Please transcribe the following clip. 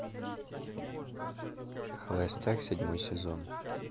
холостяк седьмой сезон